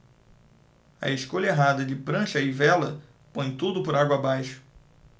a escolha errada de prancha e vela põe tudo por água abaixo